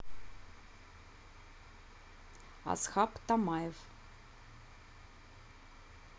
асхаб тамаев